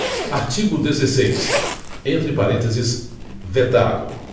artigo dezeseis entre parenteses vetado